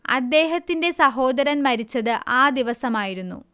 അദ്ദേഹത്തിന്റെ സഹോദരൻ മരിച്ചത് ആ ദിവസമായിരുന്നു